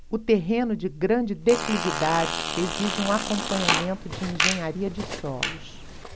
o terreno de grande declividade exige um acompanhamento de engenharia de solos